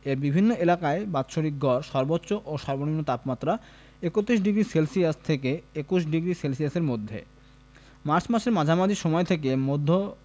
এর বিভিন্ন এলাকার বাৎসরিক গড় সর্বোচ্চ ও সর্বনিম্ন তাপমাত্রা ৩১ ডিগ্রি সেলসিয়াস সে থেকে ২১ডিগ্রি সেলসিয়াস এর মধ্যে মার্চ মাসের মাঝামাঝি সময় থেকে মধ্য